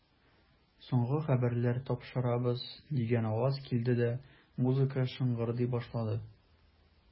Соңгы хәбәрләр тапшырабыз, дигән аваз килде дә, музыка шыңгырдый башлады.